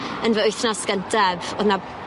...yn fy wythnos gyntaf o'dd 'na